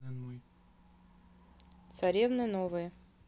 царевны новые